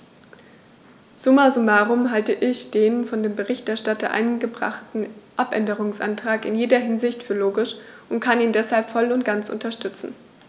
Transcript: Summa summarum halte ich den von dem Berichterstatter eingebrachten Abänderungsantrag in jeder Hinsicht für logisch und kann ihn deshalb voll und ganz unterstützen.